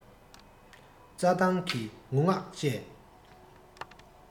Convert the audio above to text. རྩ ཐང གི ངུ ངག བཅས